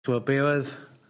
T'w'o be' oedd